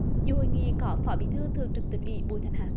dự hội nghị có phó bí thư thường trực tỉnh ủy bùi thanh hà